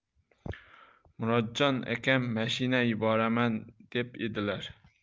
murodjon akam mashina yuboraman deb edilar